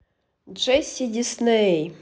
джесси дисней